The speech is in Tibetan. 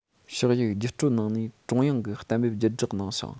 ཕྱག ཡིག བརྒྱུད སྤྲོད གནང ནས ཀྲུང དབྱང གི གཏན འབེབས བརྒྱུད བསྒྲགས གནང ཞིང